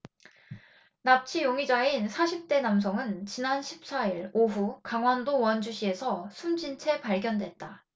납치 용의자인 사십 대 남성은 지난 십 사 일 오후 강원도 원주시에서 숨진채 발견됐다